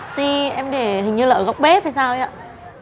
xi em để hình như là ở góc bếp hay sao ấy ạ